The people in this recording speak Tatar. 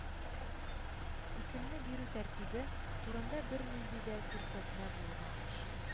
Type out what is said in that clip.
Исемне бирү тәртибе турында бернинди дә күрсәтмә булмагач,